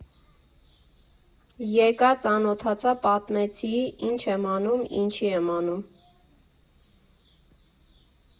Եկա, ծանոթացա, պատմեցի՝ ինչ եմ անում, ինչի եմ անում։